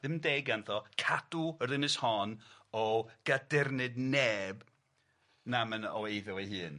Ddim yn deg ganddo cadw yr ynys hon o gadernid neb namyn o eiddo ei hun.